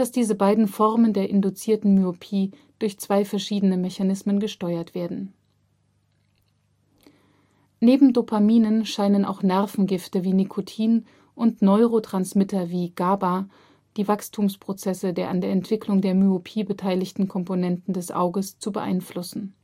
diese beiden Formen der induzierten Myopie durch zwei verschiedene Mechanismen gesteuert werden. Neben Dopaminen scheinen auch Nervengifte wie Nikotin und Neurotransmitter wie GABA die Wachstumsprozesse der an der Entwicklung der Myopie beteiligten Komponenten des Auges zu beeinflussen